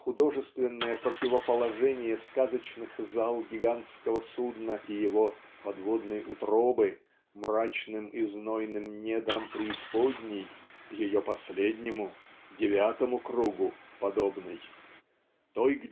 а художественное противоположение сказочных зал гигантского судна и его "подводной утробы мрачным и знойным недрам преисподней ее последнему девятому кругу" подобной той